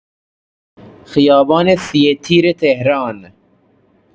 خیابان سی‌تیر تهران